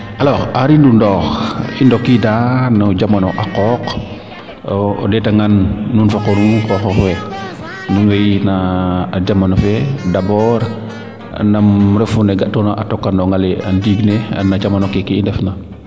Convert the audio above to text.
alors Henri Ndoundokh i ndokidaa no jamano a qooq o ndeeta ngaan nuun fo qoxoox we nuun wey na jamano fee dabord nam refu ne ga toq noonga le ndiing ne no camano keeke i ndef na